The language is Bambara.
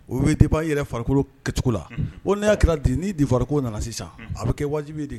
O be dépend i yɛrɛ farikolo kɛcogo la unhun o ne y'a kɛra di ni devoir ko nana sisan unhun a be kɛ waajibi ye de